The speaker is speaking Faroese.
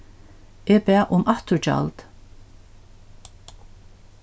eg bað um afturgjald